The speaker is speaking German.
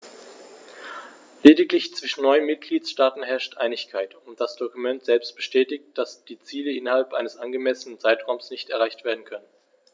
Lediglich zwischen neun Mitgliedsstaaten herrscht Einigkeit, und das Dokument selbst bestätigt, dass die Ziele innerhalb eines angemessenen Zeitraums nicht erreicht werden können.